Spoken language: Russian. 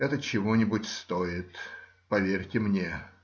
это чего-нибудь стоит, поверьте мне.